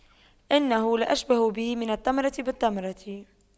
إنه لأشبه به من التمرة بالتمرة